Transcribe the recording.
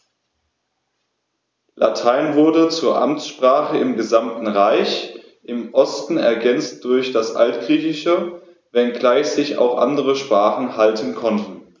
Latein wurde zur Amtssprache im gesamten Reich (im Osten ergänzt durch das Altgriechische), wenngleich sich auch andere Sprachen halten konnten.